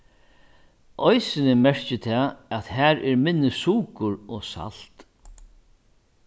eisini merkir tað at har er minni sukur og salt